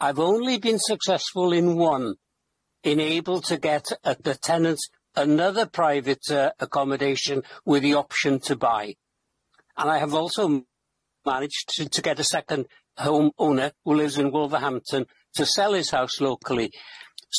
I've only been successful in one, in able to get a tenant another private accommodation with the option to buy, and I have also managed to get a second home owner who lives in Wolverhampton to sell his house locally.